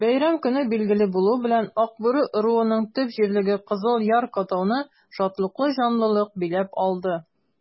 Бәйрәм көне билгеле булу белән, Акбүре ыруының төп җирлеге Кызыл Яр-катауны шатлыклы җанлылык биләп алды.